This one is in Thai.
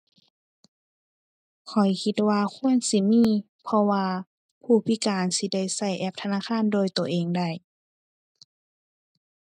ข้อยคิดว่าควรสิมี เพราะว่าผู้พิการสิได้ใช้แอปธนาคารด้วยใช้เองได้